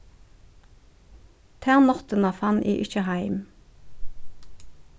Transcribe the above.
ta náttina fann eg ikki heim